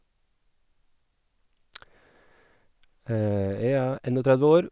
Jeg er en_og_tredve år.